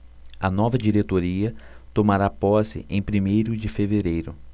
a nova diretoria tomará posse em primeiro de fevereiro